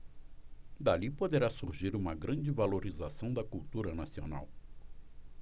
dali poderá surgir uma grande valorização da cultura nacional